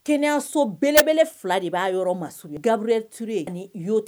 Kelenso beleele fila de b'a yɔrɔ ma gabreurta